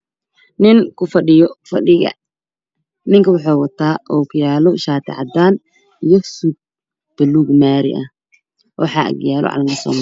Nin ku fadhiyo fadhiga ninka wuxu wataa ookiyaalo shaati cadaan iyo suud baluug maari ah waxa ag yaalo calanka soomaliya